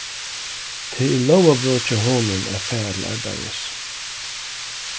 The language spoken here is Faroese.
tað er lógarbrot hjá honum at fara til arbeiðis